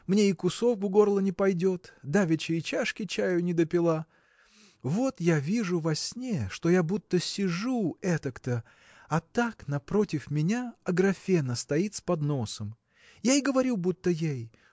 Мне и кусок в горло не пойдет; давеча и чашки чаю не допила. Вот я вижу во сне что я будто сижу этак-то а так напротив меня Аграфена стоит с подносом. Я и говорю будто ей